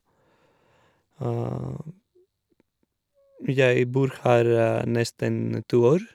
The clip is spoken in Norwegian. Jeg bor her nesten to år.